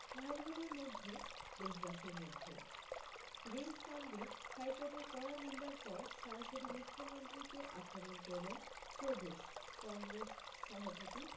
ভাইবোনের মধ্যে দেশবাসীর মধ্যে রিজ কাণ্ডে হাইকোর্টের কড়া নিন্দার পর সরাসরি মুখ্যমন্ত্রীকে আক্রমণ করলেন প্রদেশ কংগ্রেস সভাপতি